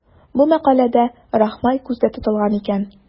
Бу мәкаләдә Рахмай күздә тотылган икән.